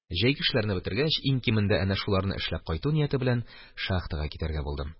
Җәйге эшләрне бетергәч, иң кимендә әнә шуларны эшләп кайту нияте белән шахтага китәргә булдым.